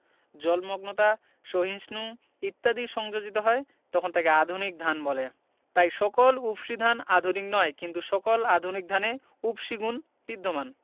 জলমগ্নতা সহিষ্ণু ইত্যাদি সংযোজিত হয় তখন তাকে আধুনিক ধান বলে তাই সকল উফশী ধান আধুনিক নয় কিন্তু সকল আধুনিক ধানে উফশী গুণ বিদ্যমান